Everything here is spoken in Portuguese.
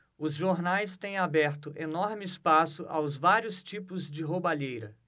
os jornais têm aberto enorme espaço aos vários tipos de roubalheira